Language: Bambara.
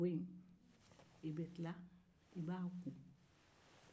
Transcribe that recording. i bɛ tila ka npogo in ko